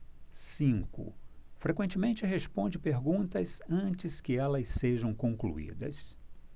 cinco frequentemente responde perguntas antes que elas sejam concluídas